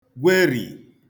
gwerì